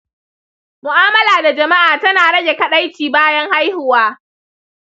mu’amala da jama’a tana rage kaɗaici bayan haihuwa.